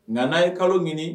Nkaana ye kalo ɲini